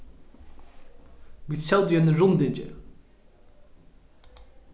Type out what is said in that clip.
vit sótu í einum rundingi